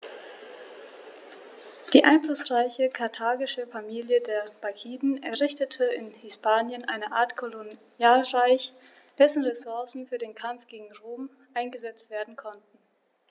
Die einflussreiche karthagische Familie der Barkiden errichtete in Hispanien eine Art Kolonialreich, dessen Ressourcen für den Kampf gegen Rom eingesetzt werden konnten.